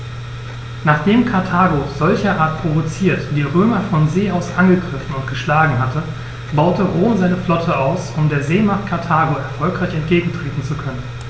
Nachdem Karthago, solcherart provoziert, die Römer von See aus angegriffen und geschlagen hatte, baute Rom seine Flotte aus, um der Seemacht Karthago erfolgreich entgegentreten zu können.